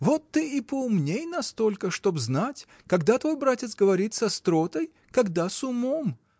Вот ты и поумней настолько, чтоб знать, когда твой братец говорит с остротой, когда с умом.